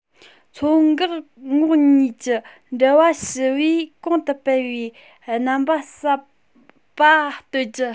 མཚོ འགག ངོགས གཉིས ཀྱི འབྲེལ བ ཞི བས གོང དུ སྤེལ བའི རྣམ པ གསར པ གཏོད རྒྱུ